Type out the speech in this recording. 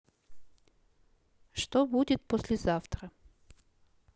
что будет послезавтра